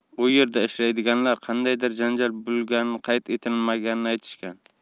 u yerda ishlaydiganlar qandaydir janjal bo'lganini qayd etilmaganini aytishgan